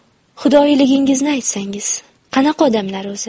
xudoyligingizni aytsangiz qanaqa odamlar o'zi